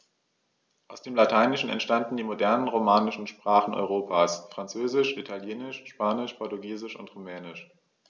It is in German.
Aus dem Lateinischen entstanden die modernen „romanischen“ Sprachen Europas: Französisch, Italienisch, Spanisch, Portugiesisch und Rumänisch.